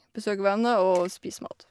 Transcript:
Besøke venner og spise mat.